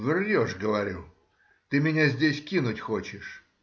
— Врешь,— говорю,— ты меня здесь кинуть хочешь.